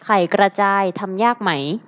ไข่กระจายทำยากไหม